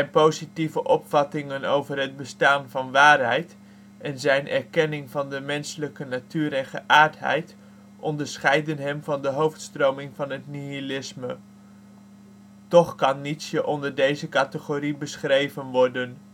positieve opvattingen over het bestaan van waarheid en zijn erkenning van de (menselijke) natuur en geaardheid onderscheiden hem van de hoofdstroming in het nihilisme. Toch kan Nietzsche onder deze categorie beschreven worden